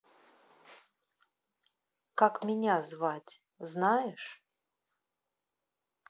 как меня звать знаешь